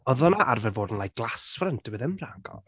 Oedd hwnna arfer fod yn like, glass front, dyw e ddim rhagor.